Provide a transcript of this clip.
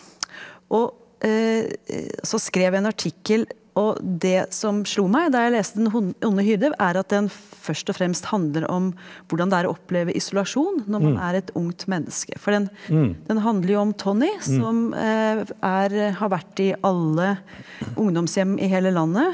og også skrev jeg en artikkel, og det som slo meg da jeg leste Den onde hyrde er at den først og fremst handler om hvordan det er å oppleve isolasjon når man er et ungt menneske, for den den handler jo om Tonnie som er har vært i alle ungdomshjem i hele landet.